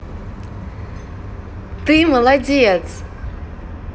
ты молодец